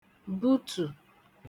butù